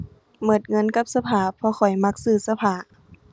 หมดเงินกับเสื้อผ้า เพราะข้อยมักซื้อเสื้อผ้า